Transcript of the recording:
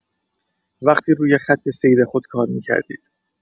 وقتی روی خط سیر خود کار می‌کردید.